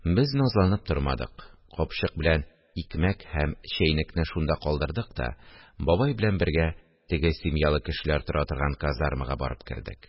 Без назланып тормадык, капчык белән икмәк һәм чәйнекне шунда калдырдык та, бабай белән бергә теге семьялы кешеләр тора торган казармага барып кердек